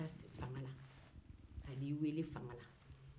a b'i weele fanga la